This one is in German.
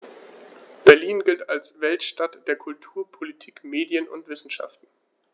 Berlin gilt als Weltstadt der Kultur, Politik, Medien und Wissenschaften.